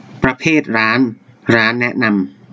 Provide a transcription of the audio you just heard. ประเภทร้านร้านแนะนำ